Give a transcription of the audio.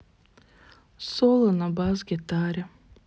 соло на бас гитаре